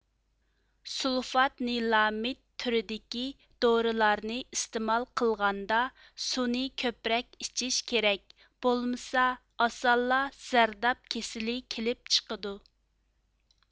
سۇلفادنىلامىد تۈرىدىكى دورىلارنى ئىستىمال قىلغاندا سۇنى كۆپرەك ئىچىش كېرەك بولمىسا ئاسانلا زەرداب كېسىلى كېلىپ چىقىدۇ